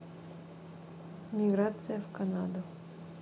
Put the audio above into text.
миграция в канаду